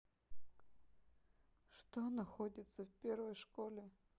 что находится в первой школе